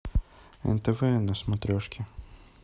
нтв на смотрешке